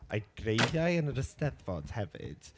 a'i gwreiddiau yn yr Eisteddfod hefyd?